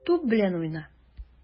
Туп белән уйна.